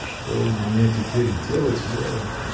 — Что мне теперь делать, Вера?